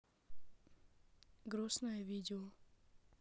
грустные видео